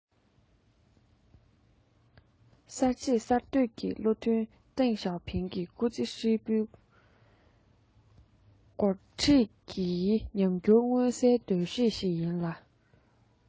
གསར འབྱེད གསར གཏོད ནི བློ མཐུན ཏེང ཞའོ ཕིང སྐུ ཚེ ཧྲིལ པོའི འགོ ཁྲིད ཀྱི ཉམས འགྱུར མངོན གསལ དོད ཤོས ཤིག ཡིན ལ